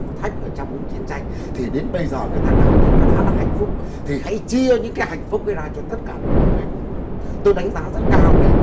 thử thách ở trong những chiến tranh thì đến bây giờ người ta cảm thấy nó đã là hạnh phúc thì hãy chia những hạnh phúc ấy ra cho tất cả mọi người cùng hưởng tôi đánh giá rất cao về